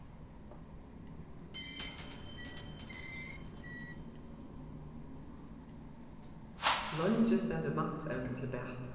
leingi stendur mansevni til bata